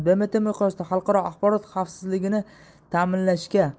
bmt miqyosida xalqaro axborot xavfsizligini ta'minlashga